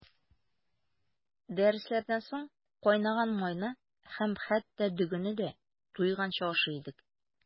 Дәресләрдән соң кайнаган майны һәм хәтта дөгене дә туйганчы ашый идек.